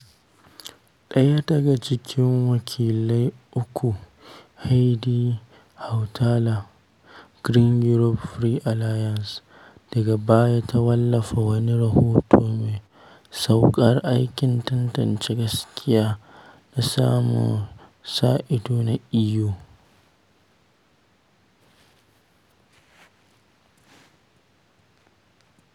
Ɗaya daga cikin wakilai ukun, Heidi Hautala (Greens-European Free Alliance), daga baya ta wallafa wani rahoto mai sukar aikin tantance gaskiya na samu sa idon na EU.